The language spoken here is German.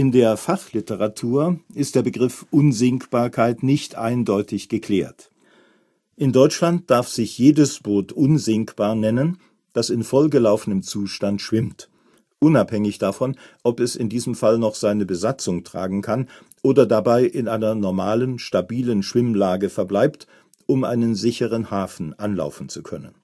der Fachliteratur ist der Begriff Unsinkbarkeit nicht eindeutig geklärt. In Deutschland darf sich jedes Boot unsinkbar nennen, das in vollgelaufenem Zustand schwimmt – unabhängig davon, ob es in diesem Fall noch seine Besatzung tragen kann oder dabei in einer normalen (stabilen) Schwimmlage verbleibt, um einen sicheren Hafen anlaufen zu können